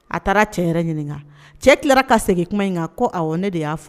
A taara cɛ yɛrɛ ɲininka cɛ tilara ka segin kuma in kan ko ne de y'a fɔ